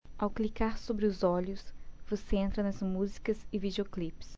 ao clicar sobre os olhos você entra nas músicas e videoclipes